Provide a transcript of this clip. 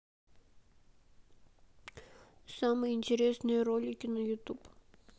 самые интересные ролики на ютуб